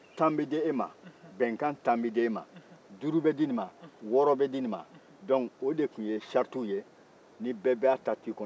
tan bɛ di e ma bɛnkan tan bɛ di e ma duuru bɛ di nin ma wɔɔrɔ bɛ di nin ma dɔnku o de tun ye saritiw ye ni bɛɛ b'a ta to i kɔnɔ